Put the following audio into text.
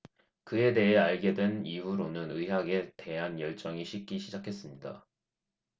그에 대해 알게 된 이후로는 의학에 대한 열정이 식기 시작했습니다